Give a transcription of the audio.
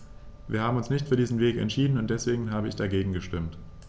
Wir haben uns nicht für diesen Weg entschieden, und deswegen habe ich dagegen gestimmt.